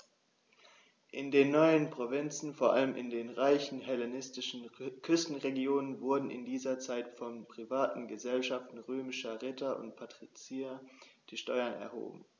In den neuen Provinzen, vor allem in den reichen hellenistischen Küstenregionen, wurden in dieser Zeit von privaten „Gesellschaften“ römischer Ritter und Patrizier die Steuern erhoben.